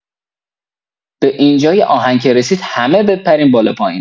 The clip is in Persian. به اینجای آهنگ که رسید همه بپرین بالا پایین